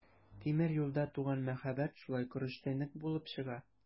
Тимер юлда туган мәхәббәт шулай корычтай нык булып чыга.